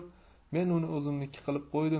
men uni o'zimniki qilib qo'ydim